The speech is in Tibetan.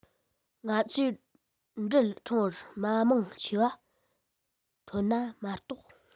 ང ཚོར འབྲེལ ཕྲེང བར མ མང ཆེ བ ཐོན ན མ གཏོགས